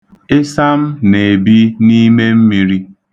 Ịsam na-ebi n'ime mmiri.